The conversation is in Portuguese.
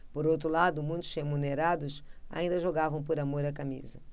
por outro lado muitos remunerados ainda jogavam por amor à camisa